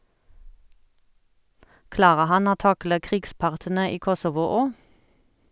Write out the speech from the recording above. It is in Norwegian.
Klarer han å takle krigspartene i Kosovo òg?